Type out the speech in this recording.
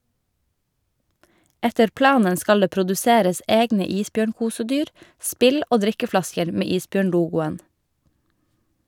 Etter planen skal det produseres egne isbjørnkosedyr, spill og drikkeflasker med isbjørnlogoen.